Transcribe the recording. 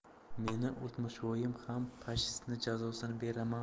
meni oltmishvoyim ham pashistni jazosini beraman